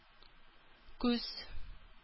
Күз